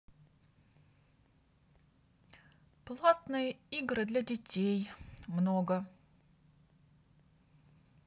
платные игры для детей много